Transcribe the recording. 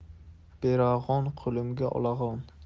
berag'on qo'lim olag'on